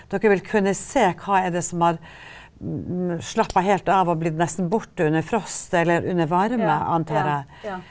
dere vil kunne se hva er har slappa helt av, og blitt nesten borte under frost eller under varme antar jeg.